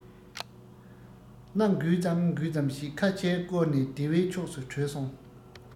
སྣ འགུལ ཙམ འགུལ ཙམ བྱེད ཁ ཕྱིར བསྐོར ནས སྡེ བའི ཕྱོགས སུ བྲོས སོང